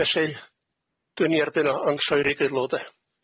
Felly, dwi'n i erbyn o yn lloeri gyd lw de.